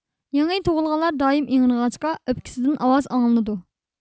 يېڭى تۇغۇلغانلار دائىم ئىڭرىغاچقا ئۆپكىسىدىن ئاۋاز ئاڭلىنىدۇ